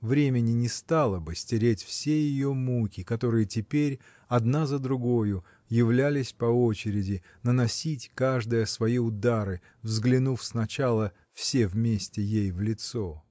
Времени не стало бы стереть все ее муки, которые теперь, одна за другою, являлись по очереди наносить каждая свои удары, взглянув сначала все вместе ей в лицо.